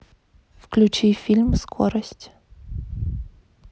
включи фильм скорость